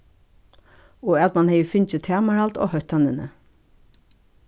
og at mann hevði fingið tamarhald á hóttanini